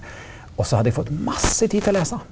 også hadde eg fått masse tid til å lesa.